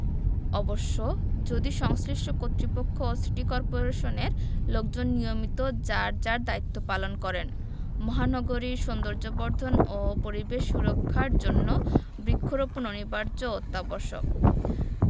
অবশ্য যদি সংশ্লিষ্ট কর্তৃপক্ষ ও সিটি কর্পোরেশনের লোকজন নিয়মিত যার যার দায়িত্ব পালন করেন মহানগরীর সৌন্দর্যবর্ধন ও পরিবেশ সুরক্ষার জন্য বৃক্ষরোপণ অনিবার্য ও অত্যাবশ্যক